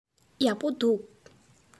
ཡག པོ འདུག